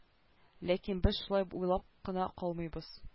Ләкин без шулай уйлап кына калмыйбыз